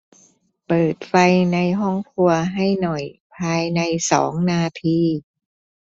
เปิดไฟในห้องครัวให้หน่อยภายในสองนาที